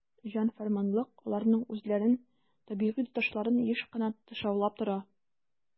"җан-фәрманлык" аларның үзләрен табигый тотышларын еш кына тышаулап тора.